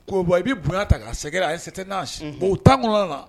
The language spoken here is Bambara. Ko bon i bɛ bonya ta k'a sɛgɛrɛ a un certain âge o temps kɔnɔna na.